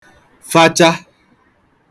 facha